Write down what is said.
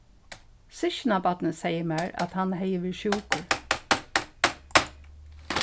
systkinabarnið segði mær at hann hevði verið sjúkur